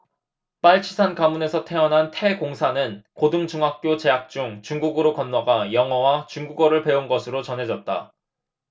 빨치산 가문에서 태어난 태 공사는 고등중학교 재학 중 중국으로 건너가 영어와 중국어를 배운 것으로 전해졌다